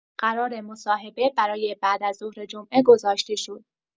قرار مصاحبه برای بعدازظهر جمعه گذاشته شد.